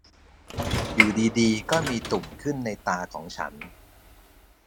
อยู่ดีดีก็มีตุ่มขึ้นในตาของฉัน